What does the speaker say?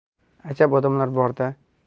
ajab odamlar bor da